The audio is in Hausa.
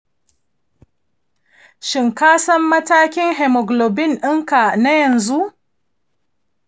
shin ka san matakin hemoglobin ɗinka na yanzu?